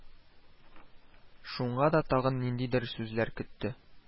Шуңа да тагын ниндидер сүзләр көтте